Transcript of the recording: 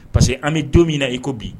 Parce que an bɛ don min na i ko bi